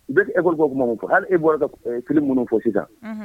I bɛ e ko kuma fɔ hali e bɔra ka ki minnu fɔ sisan